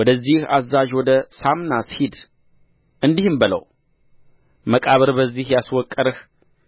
ወደዚህ አዛዥ ወደ ሳምናስ ሂድ እንዲህም በለው መቃብር በዚህ ያስወቀርህ